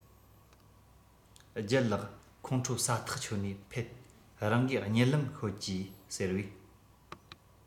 ལྗད ལགས ཁོང ཁྲོ ཟ ཐག ཆོད ནས ཕེད རང གིས གཉིད ལམ ཤོད ཀྱིས ཟེར བས